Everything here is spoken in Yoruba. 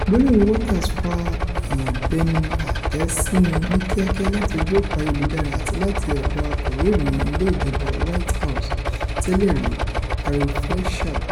Gbólóhùn Walters fa ìbẹnuàtẹ́síni ní kíákíá láti ojú-òpó ayelujara, àti láti ọ̀dọ̀ akọ̀wé ìròyìn ilé ìjọba White House tẹ́lẹ̀rí Ari Fleischer.